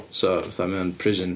So fatha mae o'n prison.